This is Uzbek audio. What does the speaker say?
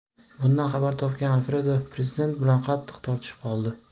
bundan xabar topgan alfredo prezident bilan qattiq tortishib qoldi